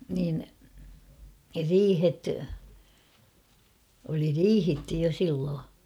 niin riihet oli riihitty jo silloin